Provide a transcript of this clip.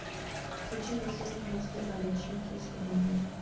Թե չէ ես էլ հաստատ առաջինը քեզ կհանեի։